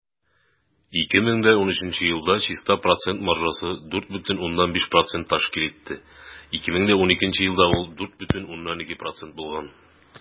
2013 елда чиста процент маржасы 4,5 % тәшкил итте, 2012 елда ул 4,2 % булган.